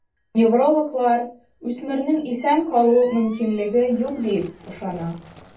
Неврологлар үсмернең исән калу мөмкинлеге юк диеп ышана.